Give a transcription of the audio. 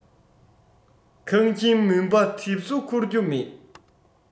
ཁང ཁྱིམ མུན པ གྲིབ སོ འཁོར རྒྱུ མེད